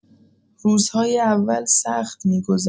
روزهای اول سخت می‌گذشت.